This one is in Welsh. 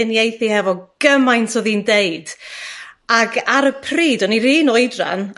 uniaethu efo gymaint odd 'i'n deud, ag ar y pryd, o'n i'r un oedran,